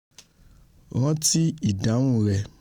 'Ránti ìdáhùn rẹ̀?